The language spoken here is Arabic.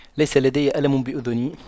ليس لدي ألم بأذني